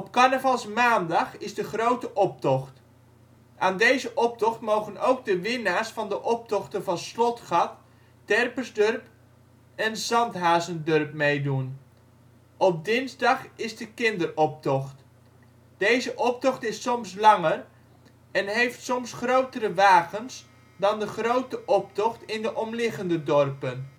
carnavalsmaandag is de grote optocht. Aan deze optocht mogen ook de winnaars van de optochten van Slotgat, Terpersdurp, Zandhazendurp meedoen. Op dinsdag is de kinderoptocht. Deze optocht is soms langer en heeft soms grotere wagens, dan de grote optocht in de omliggende dorpen